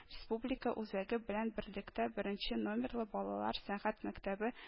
Республика үзәге белән берлектә беренче номерлы балалар сәнгать мәктәбе